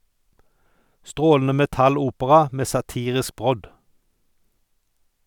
Strålende metal-opera med satirisk brodd!